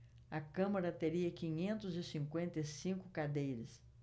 a câmara teria quinhentas e cinquenta e cinco cadeiras